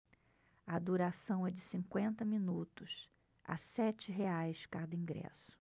a duração é de cinquenta minutos a sete reais cada ingresso